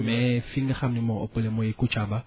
mais fi nga xam ni moo ëppale mooy Koutiaba